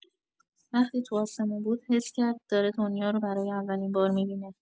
وقتی تو آسمون بود، حس کرد داره دنیا رو برای اولین بار می‌بینه.